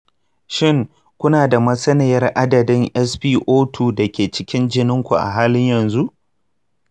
shin kuna da masaniyar adadin spo2 da ke cikin jinin ku a halin yanzu?